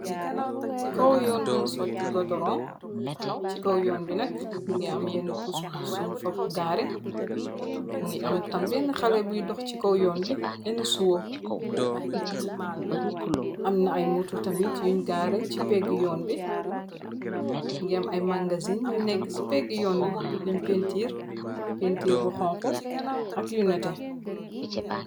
kow yoon buñ socti godoron, ci kow yoon bi nak mi ngi am yehna push push yuñ fob gaare. mi ngi am tam benn xale buy dox ci kow yoon bi yenn suo.am na ay moto tamit yuñ gaare ci péggi yoon bi, mingi am ay mangazin yu nekk ci pegg yoon bi yuñ rpintiir bu xonxu ak yunate.